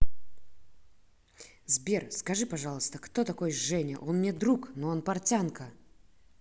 сбер скажи пожалуйста кто такой женя он мне друг но он портянка